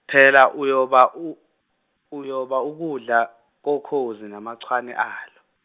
phela uyoba u- uyoba ukudla kokhozi namachwane alo.